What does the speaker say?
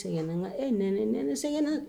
Sɛgɛn nɛnɛ nɛnɛ sɛgɛn